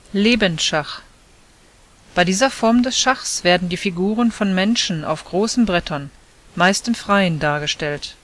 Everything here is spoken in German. Lebendschach: Bei dieser Form des Schachs werden die Figuren von Menschen auf großen Brettern, meist im Freien, dargestellt